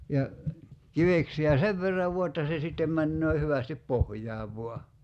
ja kiveksiä sen verran vain että se sitten menee hyvästi pohjaan vain